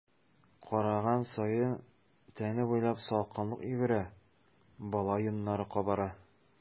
Караган саен тәне буйлап салкынлык йөгерә, бала йоннары кабара.